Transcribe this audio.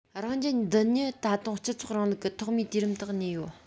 རང རྒྱལ འདི ཉིད ད དུང སྤྱི ཚོགས རིང ལུགས ཀྱི ཐོག མའི དུས རིམ དུ གནས ཡོད